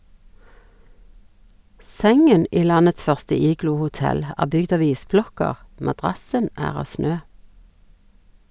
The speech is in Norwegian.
Sengen i landets første igloo-hotell er bygd av isblokker, madrassen er av snø.